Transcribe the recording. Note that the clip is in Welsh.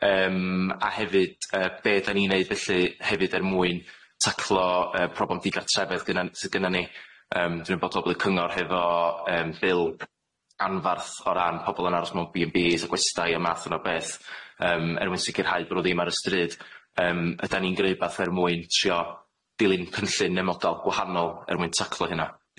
Yym a hefyd yy be' 'dan ni'n neud felly hefyd er mwyn taclo y problem di-gatrefedd gynna- sydd gynna ni yym dwi'n 'wybodol bod y cyngor hefo yym bil anfarth o ran pobol yn aros mewn Bee and Bee a gwestai a math yna o beth yym er mwyn sicirhau bo nw ddim ar y stryd yym ydan ni'n gneu' rwbath er mwyn trio dilyn cynllun ne' model gwahanol er mwyn taclo hynna?